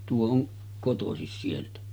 tuo on kotoisin sieltä